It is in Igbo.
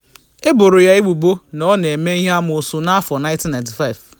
E boro ya ebubo na ọ na-eme ihe amoosu n'afọ 1995.